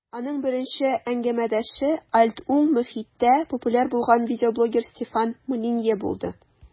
Аның беренче әңгәмәдәше "альт-уң" мохиттә популяр булган видеоблогер Стефан Молинье булды.